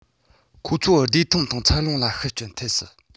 ཁོ ཚོ བདེ ཐང ངང འཚར ལོངས ལ ཤུགས རྐྱེན ཐེབས སྲིད